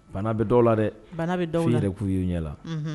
Bana bɛ dɔw la dɛ, bana bɛ dɔw la f'i yɛrɛ k'u ye ɲɛ la, unhun.